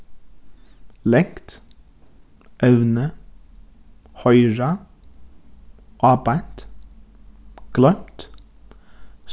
langt evnið hoyra ábeint gloymt